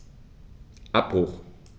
Abbruch.